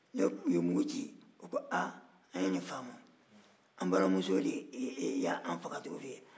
n'u ye mugu ci u ko a an ye nin famu an balimamuso de y'an fagacogo fɔ e ye